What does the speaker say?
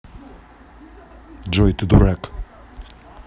джой ты дурак